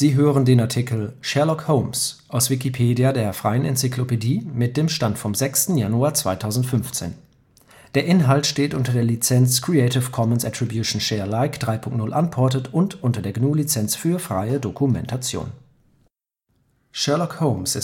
hören den Artikel Sherlock Holmes, aus Wikipedia, der freien Enzyklopädie. Mit dem Stand vom Der Inhalt steht unter der Lizenz Creative Commons Attribution Share Alike 3 Punkt 0 Unported und unter der GNU Lizenz für freie Dokumentation. Dieser Artikel behandelt die Romanfigur Sherlock Holmes, zu weiteren Artikeln über gleichnamige Filme, Spiele und Bücher siehe Sherlock Holmes (Begriffsklärung). Sherlock Holmes, Kohlezeichnung von Sidney Paget, 1904 Sherlock Holmes